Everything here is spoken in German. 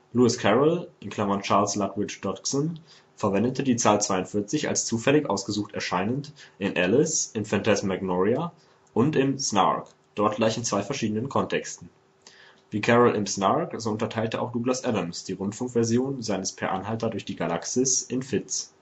Lewis Carroll (Charles Lutwidge Dodgson) verwendete die Zahl 42 als zufällig ausgesucht erscheinend in Alice, in Phantasmagoria und im Snark, dort gleich in zwei verschiedenen Kontexten. Wie Carroll im Snark, so unterteilte auch Douglas Adams die Rundfunk-Version seines Per Anhalter durch die Galaxis in „ Fits